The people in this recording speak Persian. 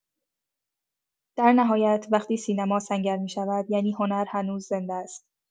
در نهایت، وقتی سینما سنگر می‌شود، یعنی هنر هنوز زنده است.